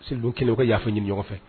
U bɛ kɛlɛlɛ, u b yafaa ɲini ɲɔgɔn fɛ.